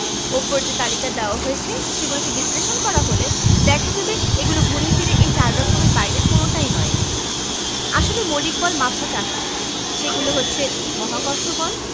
ওপরে যে তালিকা দেওয়া হয়েছে সেগুলোকে বিশ্লেষণ করা হলে দেখা যাবে এগুলো ঘুরে ফিরে এই চার রকমের বাইরে কোনোটা নয় আসলে মৌলিক বল মাত্র চারটি সেগুলো হচ্ছে মহাকর্ষ বল